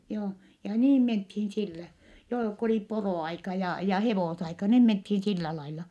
joo ja niin mentiin sillä joo kun oli poroaika ja ja hevosaika niin mentiin sillä lailla